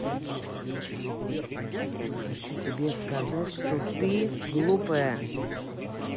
хочу тебе сказать что ты глупая